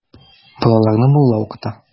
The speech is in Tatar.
Балаларны мулла укыта.